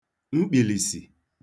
mkpìlìsì